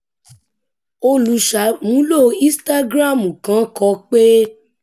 Olùṣàmúlò Instagram kan kọ pé: